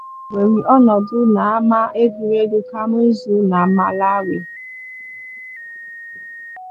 Egwuregwu ahụ were ọnọdụ n'ama egwuregwu Kamuzu na Malawi.